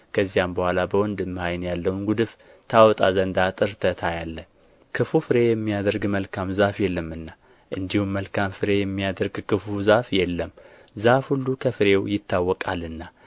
ከዚያም በኋላ በወንድምህ ዓይን ያለውን ጉድፍ ታወጣ ዘንድ አጥርተህ ታያለህ ክፉ ፍሬ የሚያደርግ መልካም ዛፍ የለምና እንዲሁም መልካም ፍሬ የሚያደርግ ክፉ ዛፍ የለም ዛፍ ሁሉ ከፍሬው ይታወቃልና